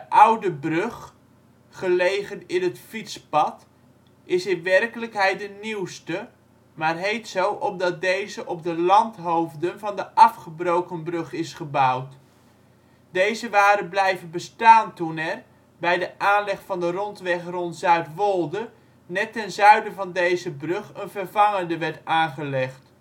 Oude " brug, gelegen in het fietspad, is in werkelijkheid de nieuwste, maar heet zo omdat deze op de landhoofden van de afgebroken brug is gebouwd. Deze waren blijven bestaan toen er, bij de aanleg van de rondweg rond Zuidwolde, net ten zuiden van deze brug een vervangende werd aangelegd